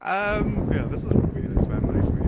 Yym ia this is a really nice memory for me.